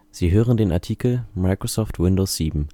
Sie hören den Artikel Microsoft Windows 7